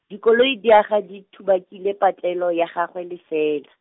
dikoloi di aga di tubakile patlelo ya gagwe lefela.